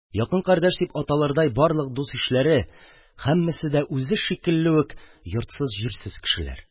Якын кардәш дип аталырдай барлык дус-ишләре – һәммәсе дә үзе шикелле үк йортсыз-җирсез кешеләр.